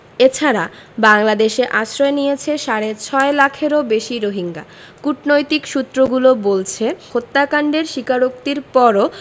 এ ছাড়া বাংলাদেশে আশ্রয় নিয়েছে সাড়ে ছয় লাখেরও বেশি রোহিঙ্গা কূটনৈতিক সূত্রগুলো বলছে হত্যাকাণ্ডের স্বীকারোক্তির পরও